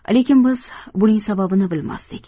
lekin biz buning sababini bilmasdik